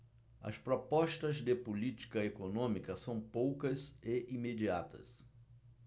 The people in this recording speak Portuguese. as propostas de política econômica são poucas e imediatas